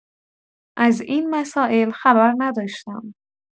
از این مسائل خبر نداشتم.